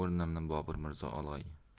o'rnimni bobur mirzo olg'ay